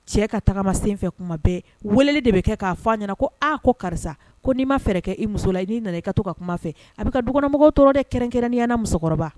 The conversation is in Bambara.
Cɛ ka tagama senfɛ kuma bɛɛ wele de bɛ kɛ k'a fɔ a ɲɛna ko ko karisa ko n'i maa fɛ i muso la i'i nana i ka to ka kuma fɛ a bɛ ka dugukɔnɔmɔgɔ tɔɔrɔ de kɛrɛnkɛrɛn' musokɔrɔba